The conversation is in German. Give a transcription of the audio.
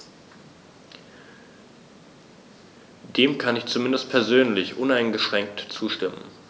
Dem kann ich zumindest persönlich uneingeschränkt zustimmen.